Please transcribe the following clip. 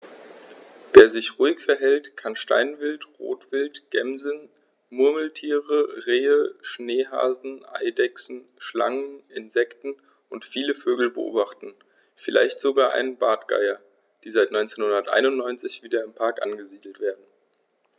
Wer sich ruhig verhält, kann Steinwild, Rotwild, Gämsen, Murmeltiere, Rehe, Schneehasen, Eidechsen, Schlangen, Insekten und viele Vögel beobachten, vielleicht sogar einen der Bartgeier, die seit 1991 wieder im Park angesiedelt werden.